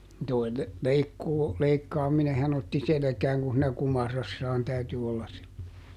tuo - leikkuu leikkaaminenhan otti selkään kun siinä kumarassaan täytyi olla -